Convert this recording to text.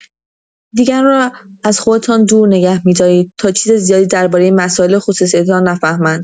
دیگران را از خودتان دور نگه می‌دارید تا چیز زیادی درباره مسائل خصوصی‌تان نفهمند.